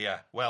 Ia wel.